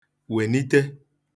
wenite